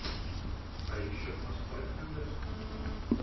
а еще поспать любят